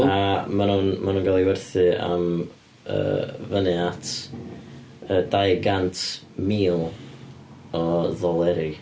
A maen nhw'n, maen nhw'n cael eu werthu am yy fyny at dau gant mil o ddoleri.